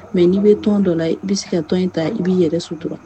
Mɛ n'i bɛ tɔn dɔ la i bɛi se ka tɔn in ta i b'i yɛrɛ sutura